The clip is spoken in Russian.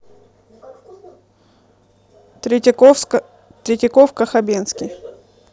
третьяковка хабенский